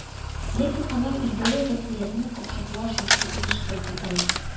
Ләкин алар илдәге вазгыятьне какшатуга шактый өлеш кертә ала.